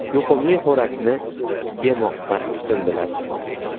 yutumli xo'rakni cho'qib cho'qib yemoqqa tutindilar